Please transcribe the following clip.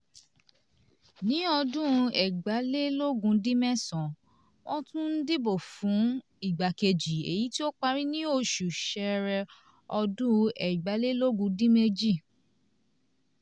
Ní ọdún 2011, wọ́n tún dìbò fún un ní ìgbà kejì, èyí tí ó parí ní oṣù Ṣẹ́ẹ́rẹ́ ọdún 2018.